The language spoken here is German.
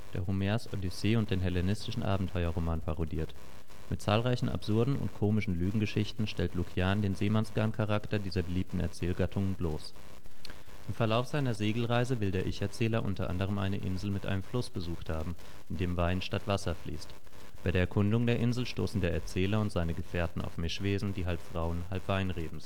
der Homers Odyssee und den hellenistischen Abenteuerroman parodiert. Mit zahlreichen absurden und komischen Lügengeschichten stellt Lukian den Seemannsgarn-Charakter dieser beliebten Erzählgattungen bloß. Im Verlauf seiner Segelreise will der Ich-Erzähler unter anderem eine Insel mit einem Fluss besucht haben, in dem Wein statt Wasser fließt. Bei der Erkundung der Insel stoßen der Erzähler und seine Gefährten auf Mischwesen, die halb Frauen, halb Weinreben